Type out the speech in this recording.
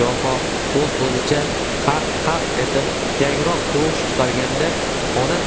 goho o'z o'zicha qaq qaq etib yangroq tovush chiqarib qo'yar edi